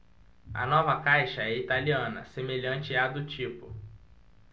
a nova caixa é italiana semelhante à do tipo